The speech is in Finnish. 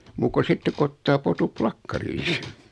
muuta kuin sitten kun ottaa potut plakkariin